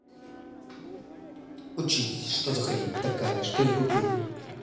учись что за хрень такая что я купил